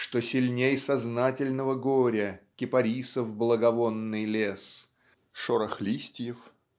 Что сильней сознательного горя Кипарисов благовонный лес Шорох листьев